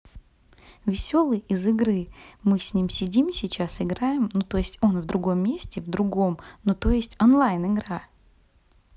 веселый из игры мы с ним сидим сейчас играем ну то есть он в другом месте в другом но то есть онлайн игра